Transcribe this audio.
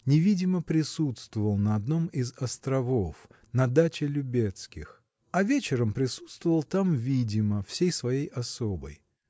невидимо присутствовал на одном из островов на даче Любецких а вечером присутствовал там видимо всей своей особой.